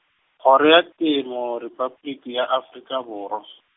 Kgoro ya Temo, Repabliki ya Afrika Borwa .